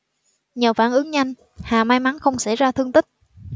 nhờ phản ứng nhanh hà may mắn không xảy ra thương tích